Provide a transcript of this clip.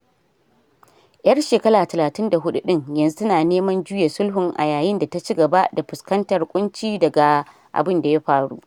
Yar shekara 34 ɗn yanzu tana neman juya sulhun a yayin da ta ci gaba da fuskantar kunci daga abun da ya farun.